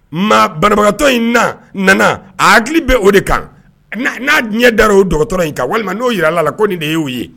Ma banabagatɔ in na nana, a hakili bɛ o de kan, n'a n'a ɲɛ dara o dɔgɔtɔrɔ in kan walima n'o jira la a la ko nin de y'o ye.